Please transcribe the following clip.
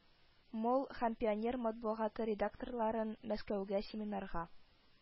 Мол һәм пионер матбугаты редакторларын, мәскәүгә семинарга